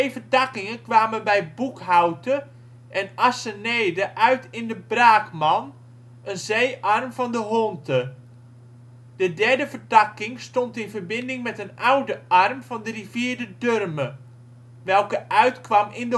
vertakkingen kwamen bij Boekhoute en Assenede uit in de Braakman, een zeearm van de Honte. De derde vertakking stond in verbinding met een oude arm van de rivier de Durme, welke uitkwam in